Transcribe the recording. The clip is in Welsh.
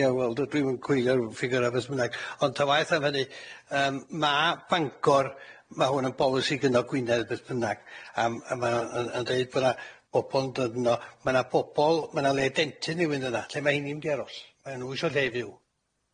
Ie wel d- dwi'm yn cwylio rw ffigura beth bynnag ond ta waeth am hynny yym ma' Bangor ma' hwn yn bolisi gynno Gwynedd beth bynnag a m- a ma' yn yn yn deud bo' na bobol yn dod yno ma' na pobol ma' na le dentyn rywun yna lle ma' hynny'n mynd i aros? Ma' nw isio lle fyw.